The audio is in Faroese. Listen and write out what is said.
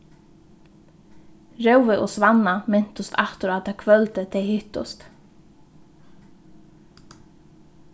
rói og svanna mintust aftur á tað kvøldið tey hittust